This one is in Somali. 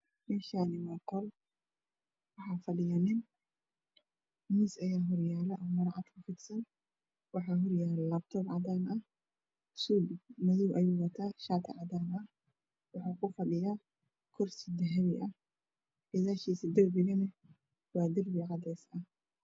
Meshani waa qol waxaa fadhiya nin mis ayaa hor yala maro cadana saran tahay iyo labtoob cadan ah dhar suda ayuu wata wuxuu ku fashiya kursi dahabi ah